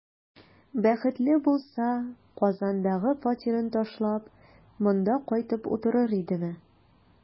Бәхетле булса, Казандагы фатирын ташлап, монда кайтып утырыр идеме?